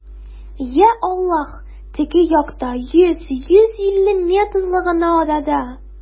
Йа Аллаһ, теге якта, йөз, йөз илле метрлы гына арада!